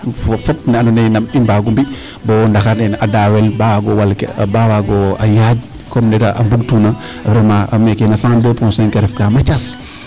fo fep ne ando naye nam i mbaagu mbi bo ndaxar neene a daawel baa baa waago a ñaaƴ comme neede mbug tuuna vraiment no 102 point 5 ref kaa Mathiasse